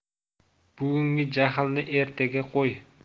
bugungi jahlni ertaga qo'y